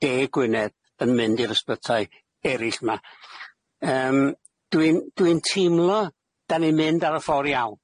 de Gwynedd yn mynd i'r ysbytai erill 'ma. Yym dwi'n dwi'n teimlo 'dan ni'n mynd ar y ffor iawn.